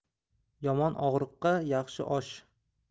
yomon og'riqqa yaxshi osh